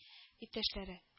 Иптәшләре: